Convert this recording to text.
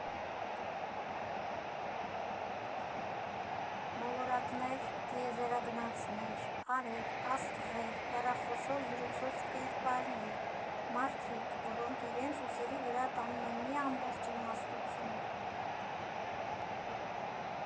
Մոլորակներ, տիեզերագնացներ, արև, աստղեր, հեռախոսով զրուցող կերպարներ, մարդիկ, որոնք իրենց ուսերի վրա տանում են մի ամբողջ իմաստնություն։